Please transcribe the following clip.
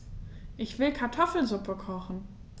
Ich will Kartoffelsuppe kochen.